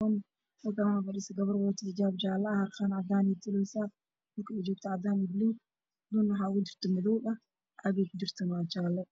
Meeshaan waxaa maraya laba naag oo waaweyn oo garooba ah oo qabo dhar madow ah iyo guduud isku jira